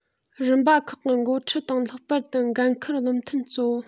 རིམ པ ཁག གི འགོ ཁྲིད དང ལྷག པར དུ འགན ཁུར བློ མཐུན གཙོ བོ